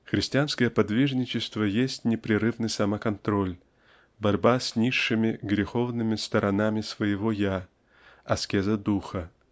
Христианское подвижничество есть непрерывный самоконтроль борьба с низшими греховными сторонами своего я аскеза духа.